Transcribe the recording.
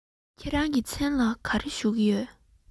ཁྱེད རང གི མཚན ལ ག རེ ཞུ གི ཡོད